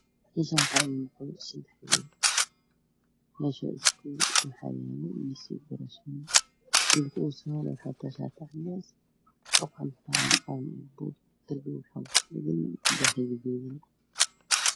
Meshaan waxaa iga muuqada sadax wiil meshu waa iskuul midka usoo horeeeyo waxuu wataa shati cadees qalin iyo buug darpiga waxaa ku dhagan daahya gaduudan